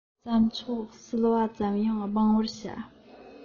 རྩྭ མཆོག ཟིལ པ ཙམ ཡང སྤང བར བྱ